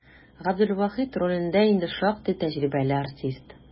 Габделвахит ролендә инде шактый тәҗрибәле артист.